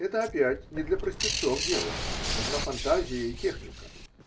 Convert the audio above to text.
Это, опять, не для простецов дело: нужна фантазия и техника.